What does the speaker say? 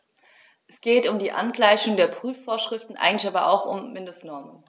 Es geht um die Angleichung der Prüfungsvorschriften, eigentlich aber auch um Mindestnormen.